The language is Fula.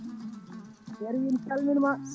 Yero wi ne salminma